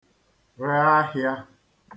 -re ahịa